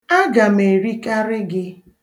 Aga m erikarị gị.